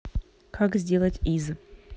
как сделать из